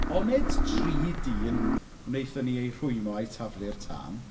Onid tri dyn wnaethon ni eu rhwymo a'u taflu i'r tân?